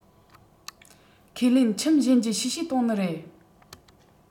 ཁས ལེན ཁྱིམ གཞན གྱིས གཤེ གཤེ གཏོང ནི རེད